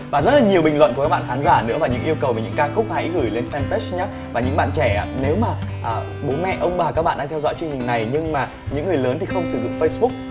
và rất là nhiều bình luận của các bạn khán giả nữa và những yêu cầu về những ca khúc hãy gửi đến phen pết nhá và những bạn trẻ ạ nếu mà bố mẹ ông bà các bạn đang theo dõi truyền hình này nhưng mà những người lớn thì không sử dụng phây búc